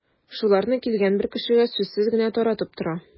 Шуларны килгән бер кешегә сүзсез генә таратып тора.